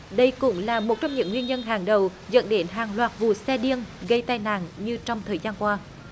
đây cũng là một trong những nguyên nhân hàng đầu dẫn đến hàng loạt vụ xe điên gây tai nạn như trong thời gian qua